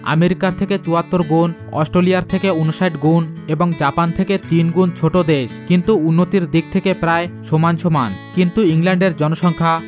থেকে আমেরিকার থেকে ৭৪ গুন অস্ট্রেলিয়ার থেকে ৫৯ গুণ এবং জাপান থেকে তিনগুণ ছোট দেশ কিন্তু উন্নতির দিক থেকে প্রায় সমান সমান কিন্তু ইংল্যান্ডের জনসংখ্যা